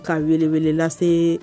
K'a wele wele lase